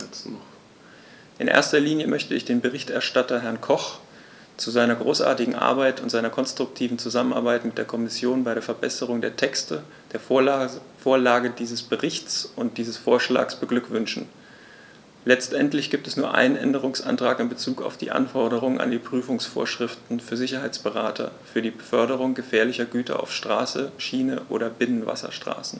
In erster Linie möchte ich den Berichterstatter, Herrn Koch, zu seiner großartigen Arbeit und seiner konstruktiven Zusammenarbeit mit der Kommission bei der Verbesserung der Texte, der Vorlage dieses Berichts und dieses Vorschlags beglückwünschen; letztendlich gibt es nur einen Änderungsantrag in bezug auf die Anforderungen an die Prüfungsvorschriften für Sicherheitsberater für die Beförderung gefährlicher Güter auf Straße, Schiene oder Binnenwasserstraßen.